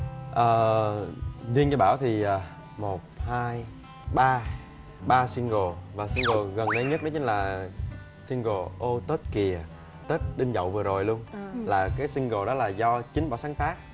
à riêng cho bảo thì một hai ba ba sin gồ và sin gò gần đây nhất đó chính là sin gồ ô tết kìa tết đinh dậu vừa rồi luôn là cái sin gồ đó là do chính bảo sáng tác